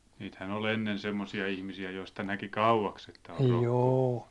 niitähän oli ennen semmoisia ihmisiä joista näki kauaksi että on ollut rokko